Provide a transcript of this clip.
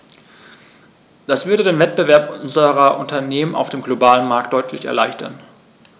Das würde den Wettbewerb unserer Unternehmen auf dem globalen Markt deutlich erleichtern.